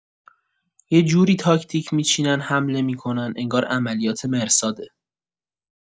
یجوری تاکتیک می‌چینن حمله می‌کنن انگار عملیات مرصاده